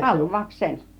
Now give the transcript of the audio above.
halvauksen